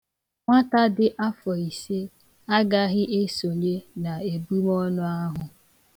Nwata dị afọ ise agaghị esonye n'ebumọnụ ahụ.